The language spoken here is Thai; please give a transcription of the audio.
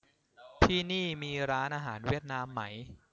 ที่นี่มีร้านอาหารเวียดนามไหม